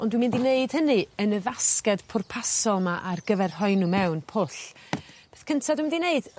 ond dwi'n mynd i wneud hynny yn y fasged pwrpasol 'ma ar gyfer rhoi n'w mewn pwll. Peth cynta dw myd i neud